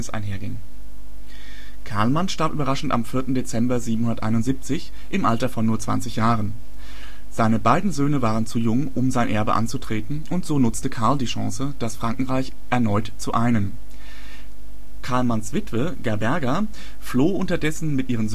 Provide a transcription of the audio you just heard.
einherging. Karlmann starb überraschend am 4. Dezember 771 im Alter von nur 20 Jahren. Seine beiden Söhne waren zu jung um sein Erbe anzutreten, und so nutzte Karl die Chance, das Frankenreich erneut zu einen. Karlmanns Witwe Gerberga floh unterdessen mit ihren